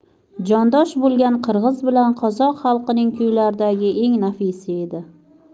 jondosh bo'lgan qirg'iz bilan qozoq xalqining kuylaridagi eng nafisi edi